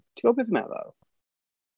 Ti'n gwybod be fi'n meddwl?